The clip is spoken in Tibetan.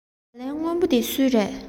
སྦ ལན སྔོན པོ འདི སུའི རེད